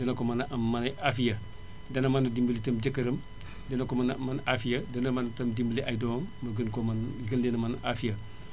dina ko mën a am mane aafiya dana mën dimbali itam jëkkëram dina ko mën man aafiya dana mën itam dimbali ay doomam ñu gën ko mën gën leen a mën aafiya